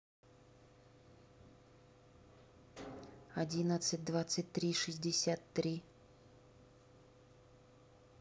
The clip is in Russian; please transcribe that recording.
одиннадцать двадцать три шестьдесят три